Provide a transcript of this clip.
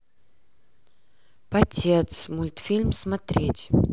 потец мультфильм смотреть